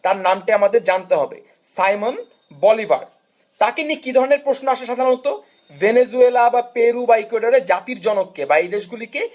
তার নামটি আমাদের জানতে হবে সাইমন বলিভার তাকে নিয়ে কি ধরনের প্রশ্ন আসে সাধারণত ভেনিজুয়েলা বা পেরু বা ইকুয়েডর এ জাতির জনক কে বা এই দেশগুলিকে